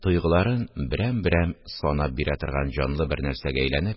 Тойгыларын берәм-берәм санап бирә торган җанлы бер нәрсәгә әйләнеп